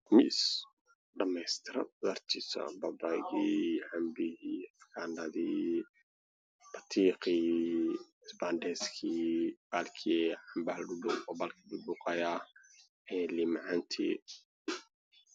Meshan waxyalo miis qudar kalarkedu waa jale gadud cagar io dahbi